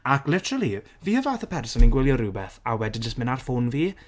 Ac literally fi yw'r fath o person yn gwylio rhywbeth a wedyn jyst mynd ar ffôn fi...